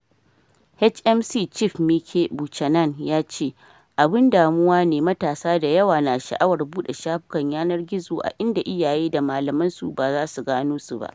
HMC chief Mike Buchanan ya ce: “Abun damuwa ne matasa da yawa na sha’awar bude shafukan yanar gizo a inda iyaye da malaman su bazasu gano su ba.”